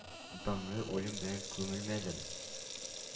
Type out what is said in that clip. Данлы үлем белән күмәлмәдем